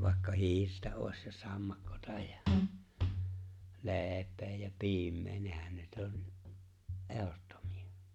vaikka hiirtä olisi ja sammakkoa ja leipää ja piimää nehän nyt on ehdottomia